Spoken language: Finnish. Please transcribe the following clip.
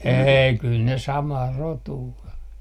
ei kyllä ne samaa rotua on